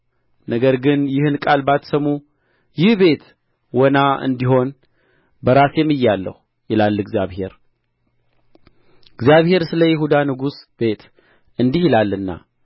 ነገር ግን ይህን ቃል ባትሰሙ ይህ ቤት ወና እንዲሆን በራሴ ምያለሁ ይላል እግዚአብሔር እግዚአብሔር ስለ ይሁዳ ንጉሥ ቤት እንዲህ ይላልና